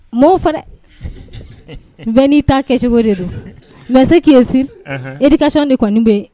Maaw fana bɛ n'i taa kɛcogo de don mɛ se k'i ye si i kasi de kɔni bɛ